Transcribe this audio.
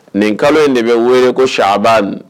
Nin kalo in de bɛ wele ko saba